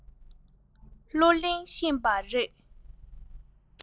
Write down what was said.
གླུ ལེན ཤེས པ རེད